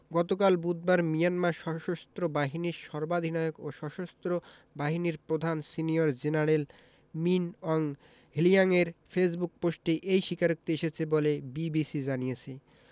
গতকাল বুধবার মিয়ানমার সশস্ত্র বাহিনীর সর্বাধিনায়ক ও সশস্ত্র বাহিনীর প্রধান সিনিয়র জেনারেল মিন অং হ্লিয়াংয়ের ফেসবুক পোস্টে এই স্বীকারোক্তি এসেছে বলে বিবিসি জানিয়েছে